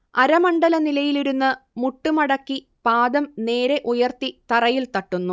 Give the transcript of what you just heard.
അരമണ്ഡല നിലയിലിരുന്ന് മുട്ട് മടക്കി പാദം നേരെ ഉയർത്തി തറയിൽ തട്ടുന്നു